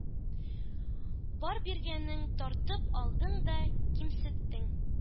Бар биргәнең тартып алдың да кимсеттең.